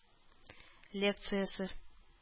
Лекциясе